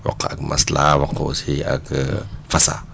wax ko ak maslaa wax ko aussi ak fasaa